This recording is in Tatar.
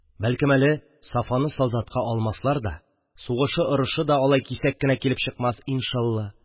Бәлкем әле Сафаны солдатка алмаслар да, сугышы-орышы да алай кисәк кенә килеп чыкмас, иншалла.